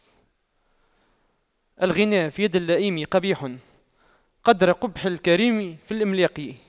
الغنى في يد اللئيم قبيح قدر قبح الكريم في الإملاق